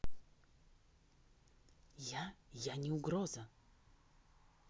я я не угроза